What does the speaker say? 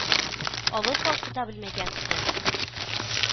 Авыл халкы да белмәгән иде